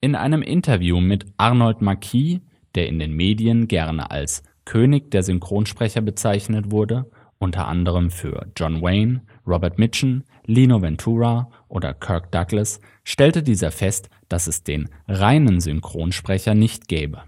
In einem Interview mit Arnold Marquis, der in den Medien gerne als König der Synchronsprecher bezeichnet wurde – unter anderem für John Wayne, Robert Mitchum, Lino Ventura oder Kirk Douglas – stellte dieser fest, dass es den „ reinen Synchronsprecher “nicht gebe